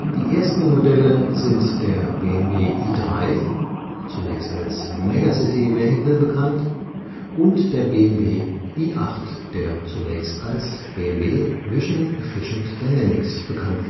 Die ersten Modelle sind der BMW i3 (zunächst als Megacity Vehicle bekannt) und der BMW i8 (zunächst als BMW Vision Efficient Dynamics bekannt